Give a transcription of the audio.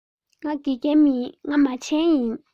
ང དགེ རྒན མིན མ བྱན ཡིན